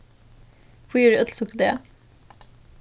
hví eru øll so glað